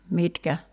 mitkä